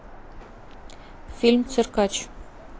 фильм циркач